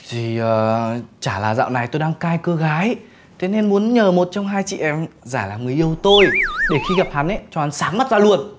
thì ờ chả là dạo này tôi đang cai cưa gái thế nên muốn nhờ một trong hai chị em giả làm người yêu tôi để khi gặp hắn ý cho hắn sáng mắt ra luôn